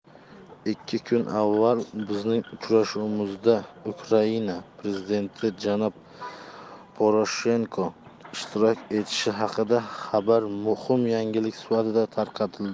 ikki kun avval bizning uchrashuvimizda ukraina prezidenti janob poroshenko ishtirok etishi haqidagi xabar muhim yangilik sifatida tarqatildi